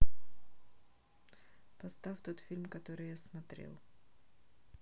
поставь тот фильм который я смотрел